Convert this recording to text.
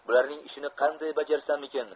bularning ishini qanday bajarsamikin